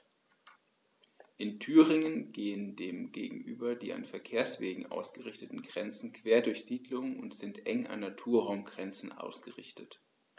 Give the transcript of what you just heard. In Thüringen gehen dem gegenüber die an Verkehrswegen ausgerichteten Grenzen quer durch Siedlungen und sind eng an Naturraumgrenzen ausgerichtet.